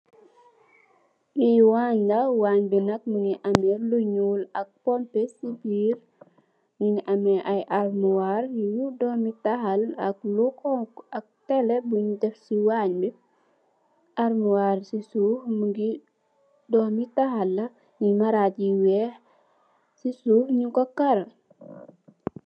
Lii waangh la, waangh bii nak mungy ameh lu njull ak pompeh cii birr, njungy ameh aiiy armoire yu dormi taal ak lu khonku, ak tele bungh def cii waangh bii, armoire cii suff mungy dormi taal la, lii marajj yu wekh, cii suff njung kor kaaroh.